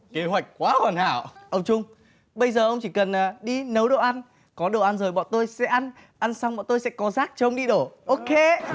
kế hoạch quá hoàn hảo ông chung bây giờ ông chỉ cần à đi nấu đồ ăn có đồ ăn rồi bọn tôi sẽ ăn ăn xong tôi sẽ có rác cho ông đi đổ ô kê